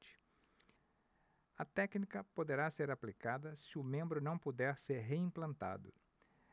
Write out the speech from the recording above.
a técnica poderá ser aplicada se o membro não puder ser reimplantado